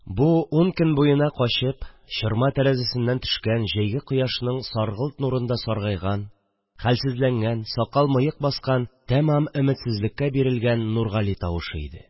Бу – ун көн буена качып, чорма тәрәзәсеннән төшкән җәйге кояшның саргылт нурында саргайган, хәлсезләнгән, сакал-мыек баскан, тамам өметсезлеккә бирелгән Нургали тавышы иде